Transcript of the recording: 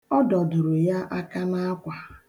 Ọ dọdoro ya aka n'akwa.